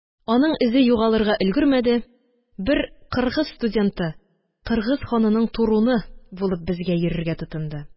Аның эзе югалырга өлгермәде, бер кыргыз студенты, кыргыз ханының туруны булып, безгә йөрергә тотынды.